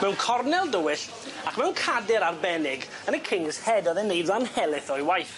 Mewn cornel dywyll ac mewn cader arbennig yn y King's Head o'dd e'n neud ran helyth o'i waith.